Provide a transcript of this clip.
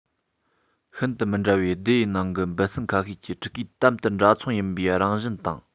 ཤིན ཏུ མི འདྲ བའི སྡེ ཡི ནང གི འབུ སྲིན ཁ ཤས ཀྱི ཕྲུ གུའི དམ དུ འདྲ མཚུངས ཡིན པའི རང བཞིན དང